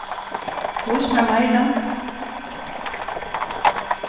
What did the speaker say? vís mær meira